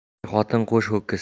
er xotin qo'sh ho'kiz